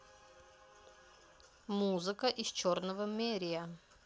музыка из черного мерия